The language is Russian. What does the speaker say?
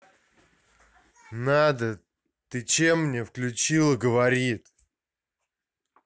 надо ты чем мне включила говорит